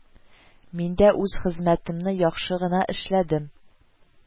Мин дә үз хезмәтемне яхшы гына эшләдем